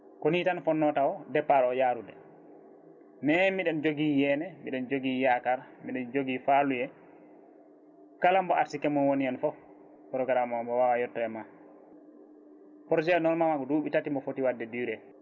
koni tan fonno taw départ o yarude mais miɗen joogui yeené mbiɗen joogui yakar mbiɗen joogui faluye kala mbo arsugue mum woni hen foof programme! o mo wawa yettoyoma projet o normalement ko duuɓi tati mbo footi wadde duré